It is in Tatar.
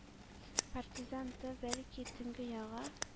Партизан «Т», бәлки, төнге яңа